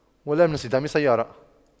ولا من اصطدام سيارة